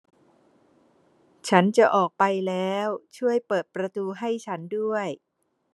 ฉันจะออกไปแล้วช่วยเปิดประตูให้ฉันด้วย